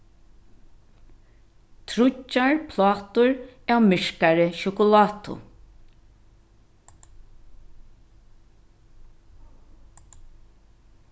tríggjar plátur av myrkari sjokulátu